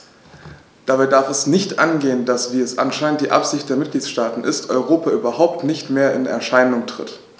Dabei darf es nicht angehen, dass - wie es anscheinend die Absicht der Mitgliedsstaaten ist - Europa überhaupt nicht mehr in Erscheinung tritt.